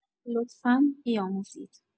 لطفا بیاموزید